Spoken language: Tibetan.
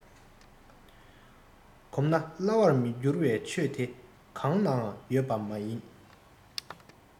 གོམས ན སླ བར མི འགྱུར བའི ཆོས དེ གང ནའང ཡོད མ ཡིན